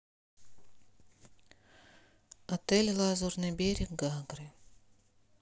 отель лазурный берег гагры